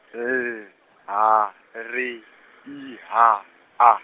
L H R I H A.